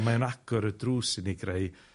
Mae o'n agor y drws i ni greu